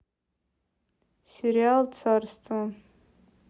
сериал царство